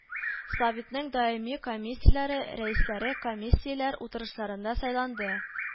Советның даими комиссияләре рәисләре комиссияләр утырышларында сайланды